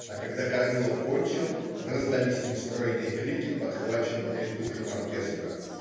А когда Корнилов кончил, раздались нестройные крики, подхваченные тушем оркестра.